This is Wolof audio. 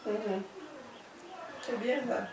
c' est bien ça